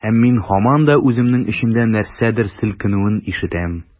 Һәм мин һаман да үземнең эчемдә нәрсәдер селкенүен ишетәм.